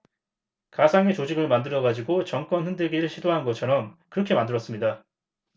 가상의 조직을 만들어 가지고 정권 흔들기를 시도하는 것처럼 그렇게 만들었습니다